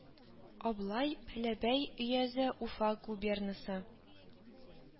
Аблай, Бәләбәй өязе, Уфа губернасы